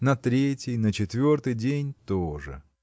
На третий, на четвертый день то же.